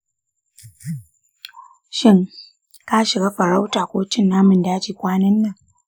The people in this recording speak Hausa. shin ka shiga farauta ko cin naman daji kwanan nan?